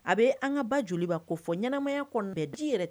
A bɛ an ka ba joliba ko fɔ, ɲɛnamaya koni dɛ ji yɛrɛ